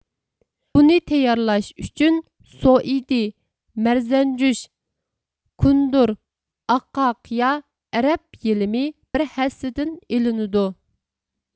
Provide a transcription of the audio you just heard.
بۇنى تەييارلاش ئۈچۈن سۆئىدى مەرزەنجۈش كۇندۇر ئاقاقىيا ئەرەب يىلىمى بىر ھەسسىدىن ئېلىنىدۇ